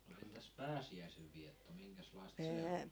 no entäs pääsiäisen vietto minkäslaista se oli